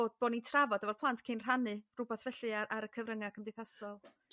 bo' bo' ni'n trafod efo'r plant cyn rhannu r'wbath felly ar ein cyfrynga' cymdeithasol.